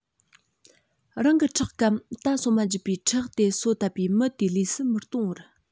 རང གི ཁྲག གམ ད སོ མ འཇིབ པའི ཁྲག དེ སོ བཏབ པའི མི དེའི ལུས སུ མི གཏོང བར